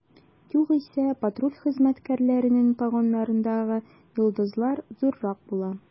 Югыйсә, патруль хезмәткәрләренең погоннарындагы йолдызлар зуррак була.